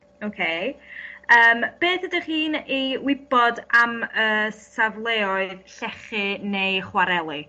Oce yym beth ydych chi'n ei wybod am y safleoedd llechi neu chwareli?